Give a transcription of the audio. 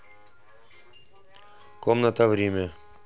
комната в риме